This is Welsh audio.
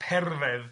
Perfedd.